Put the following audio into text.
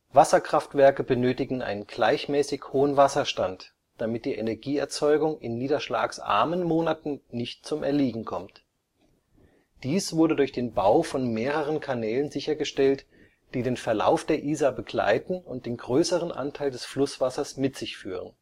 Wasserkraftwerke benötigen einen gleichmäßig hohen Wasserstand, damit die Energieerzeugung in niederschlagsarmen Monaten nicht zum Erliegen kommt. Dies wurde durch den Bau von mehreren Kanälen sichergestellt, die den Verlauf der Isar begleiten und den größeren Anteil des Flusswassers mit sich führen